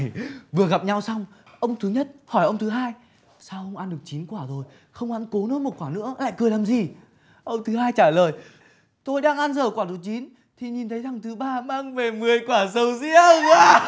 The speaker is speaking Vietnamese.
vừa gặp nhau xong ông thứ nhất hỏi ông thứ hai sao ông ăn được chín quả rồi không ăn cố nốt một quả nữa lại cười làm gì ông thứ hai trả lời tôi đang ăn dở quả thứ chín thì nhìn thấy thằng thứ ba mang về mười quả sầu riêng a ha